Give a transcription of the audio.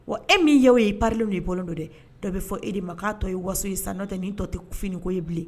Wa e min y o ye parlenw de bolo don dɛ dɔ bɛ fɔ e de ma k'a tɔ ye waso in san n'o tɛ nin tɔ tɛ finiiniko ye bilen